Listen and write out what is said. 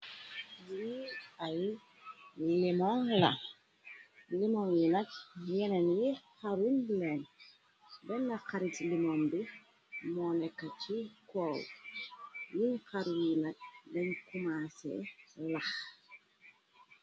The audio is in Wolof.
Lii ay limon la, limon yinak yeneen yi xarunleen, benn xarit limon bi moneka ci koow, yiñ xarut yinak dañ kumasee lax